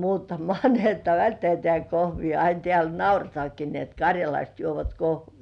muuttamaan niin että välttää tämä kohvi ja aina täällä nauretaankin niin että karjalaiset juovat kohvia